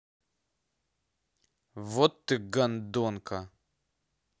вот ты гондонка